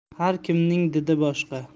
har kimning didi boshqa